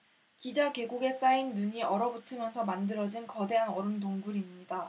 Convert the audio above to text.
기자 계곡에 쌓인 눈이 얼어붙으면서 만들어진 거대한 얼음 동굴입니다